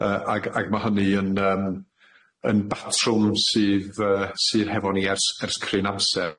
Yy ag ag ma' hynny yn yym yn batrwm sydd yy sydd hefo ni ers ers cryn amser.